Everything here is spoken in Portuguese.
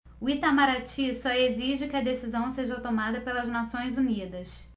o itamaraty só exige que a decisão seja tomada pelas nações unidas